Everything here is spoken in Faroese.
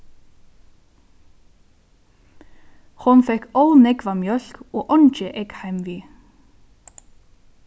hon fekk ov nógva mjólk og eingi egg heim við